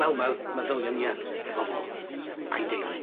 Wel ma' meddylia ni yy hefo fo a'i deulu.